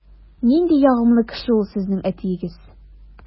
Нинди ягымлы кеше ул сезнең әтиегез!